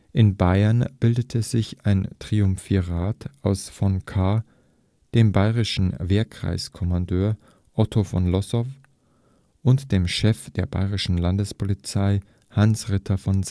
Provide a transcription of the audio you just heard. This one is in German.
In Bayern bildete sich ein Triumvirat aus von Kahr, dem bayerischen Wehrkreiskommandeur Otto von Lossow und dem Chef der bayerischen Landespolizei Hans Ritter von